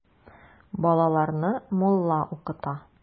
Балаларны мулла укыта.